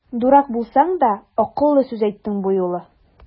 Дурак булсаң да, акыллы сүз әйттең бу юлы!